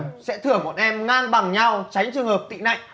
sẽ thưởng bọn em ngang bằng nhau tránh trường hợp tị nạnh